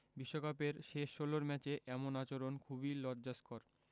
বিশ্বকাপের শেষ ষোলর ম্যাচে এমন আচরণ খুবই লজ্জাস্কর